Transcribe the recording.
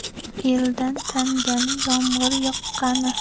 eldan tomgani yomg'ir yoqqani